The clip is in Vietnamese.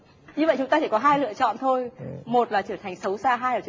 như vậy chúng ta chỉ có hai lựa chọn thôi một là trở thành xấu xa hai